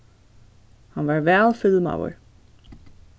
hann var væl filmaður